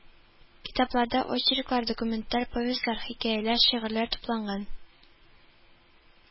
Китапларда очерклар, документаль повестьлар, хикәяләр, шигырьләр тупланган